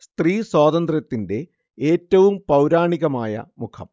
സ്ത്രീ സ്വാതന്ത്ര്യത്തിന്റെ ഏറ്റവും പൗരാണികമായ മുഖം